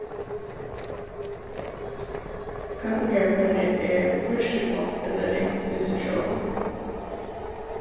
kappingarføri er hvørki gott ella ringt í sær sjálvum